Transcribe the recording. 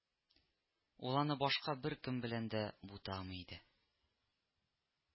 Ул аны башка беркем белән дә бутамый иде